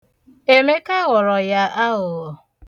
Emeka ghọrọ ya aghụghọ.